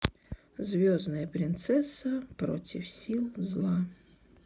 звездная принцесса против сил зла